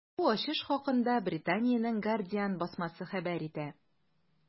Бу ачыш хакында Британиянең “Гардиан” басмасы хәбәр итә.